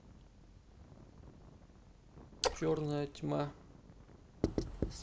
черная тьма